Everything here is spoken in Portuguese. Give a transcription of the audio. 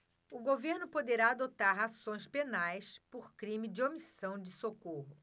o governo poderá adotar ações penais por crime de omissão de socorro